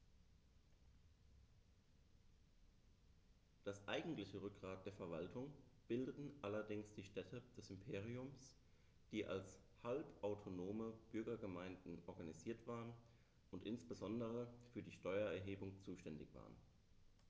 Das eigentliche Rückgrat der Verwaltung bildeten allerdings die Städte des Imperiums, die als halbautonome Bürgergemeinden organisiert waren und insbesondere für die Steuererhebung zuständig waren.